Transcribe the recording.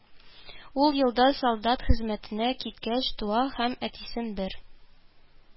Ул елда солдат хезмәтенә киткәч туа һәм, әтисен бер